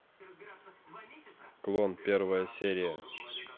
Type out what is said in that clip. клон первая серия